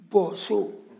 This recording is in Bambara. bɔso